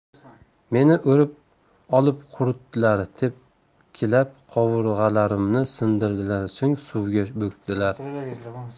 meni o'rib olib quritdilar tepkilab qovurg'alarimni sindirdilar so'ng suvga bo'kdilar